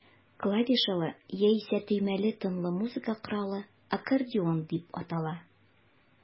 Клавишалы, яисә төймәле тынлы музыка коралы аккордеон дип атала.